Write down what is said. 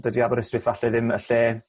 dydi Aberystwyth falle ddim y lle